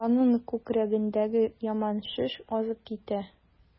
Аның күкрәгендәге яман шеш азып китә.